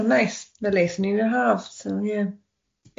O neis ma'r leis yn un o haf so ie.